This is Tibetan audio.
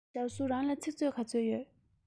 ཞའོ སུའུ རང ལ ཚིག མཛོད ག ཚོད ཡོད